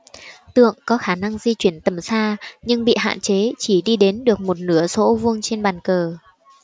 tượng có khả năng di chuyển tầm xa nhưng bị hạn chế chỉ đi đến được một nửa số ô vuông trên bàn cờ